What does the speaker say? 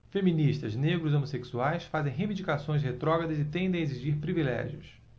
feministas negros e homossexuais fazem reivindicações retrógradas e tendem a exigir privilégios